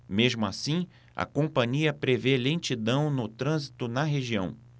mesmo assim a companhia prevê lentidão no trânsito na região